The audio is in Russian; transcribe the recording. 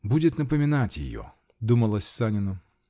"Будет напоминать ее", -- думалось Санину.